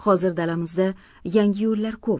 hozir dalamizda yangi yo'llar ko'p